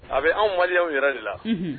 A bɛ anw malien yɛrɛ de la, unhun